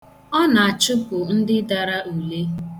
Ọ na-achụpụ ndị dara ule.